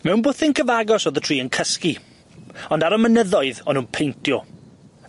Mewn bwthyn cyfagos o'dd y tri yn cysgu ond ar y mynyddoedd o'n nw'n peintio,